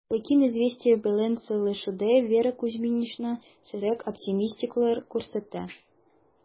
Ләкин "Известия" белән сөйләшүдә Вера Кузьминична сирәк оптимистлык күрсәтте: